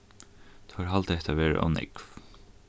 teir halda hetta vera ov nógv